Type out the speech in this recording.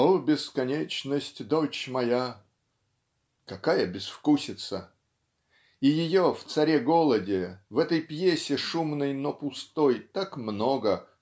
"О бесконечность, дочь моя!" Какая безвкусица! И ее в "Царе-Голоде" в этой пьесе шумной но пустой так много